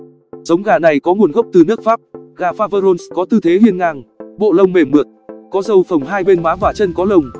giống gà này có nguồn gốc từ nước pháp gà faverolles có tư thế hiên ngang bộ lông mềm mượt có râu phồng hai bên má và chân có lông